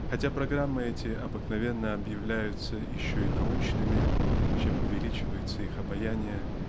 Хотя программы эти обыкновенно объявляются еще и "научными" чем увеличивается их обаяние